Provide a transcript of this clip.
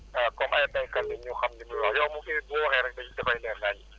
waaw comme ay béykat lañ ñu xam li muy wax yow moom heure boo waxee rek dafay leer naññ